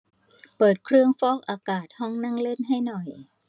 เปิดเครื่องฟอกอากาศห้องนั่งเล่นให้หน่อย